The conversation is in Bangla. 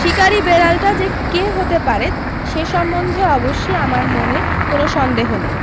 শিকারী বেড়ালটা যে কে হতে পারে সে সম্বন্ধে অবশ্যি আমার মনে কোনো সন্দেহ নেই